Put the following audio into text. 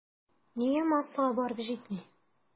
Нигә массага барып җитми?